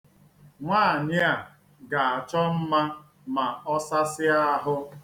Nwaanyị a ga-achọ mma ma ọ sasịa ahụ.